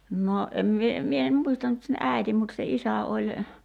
no en minä minä en muista nyt sen äidin mutta se isä oli